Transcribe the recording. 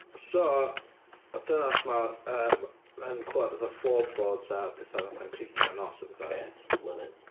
So oedd dynas 'ma yn clywed fatha floorboards a pethau fatha'n crîcio'n nos a pethau... Gret. Love it.